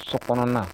So kɔnɔ